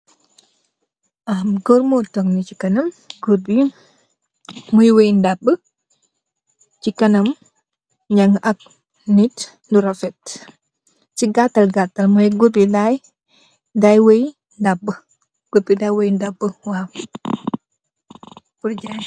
Ahm gorre mor tok nii chi kanam, gorre bii muiy woiyy ndaabbue chi kanam njang ak nitt lu rafet, cii gatal gatal moiy gorre bii dai daiiy woiyy ndaabbue, gorre bii daily woyye ndaabbue waw pur jaiii.